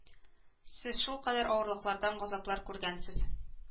Сез шулкадәр авырлыклар да газаплар күргәнсез